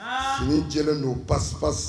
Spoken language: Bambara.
Sini jɛ don bafa